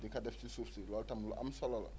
di ko def si suuf si loolu tam lu am solo la